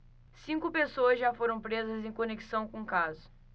cinco pessoas já foram presas em conexão com o caso